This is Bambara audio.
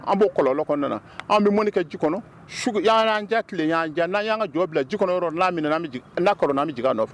An b' kɔlɔnlɔ kɔnɔn an bɛ mɔni kɛ ji kɔnɔan'an n'an y'an ka jɔ bila ji kɔnɔ yɔrɔ' bɛ jigin nɔfɛ